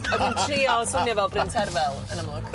O'n i'n trio swnio fel Bryn Terfel yn amlwg.